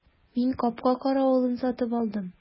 Мин капка каравылын сатып алдым.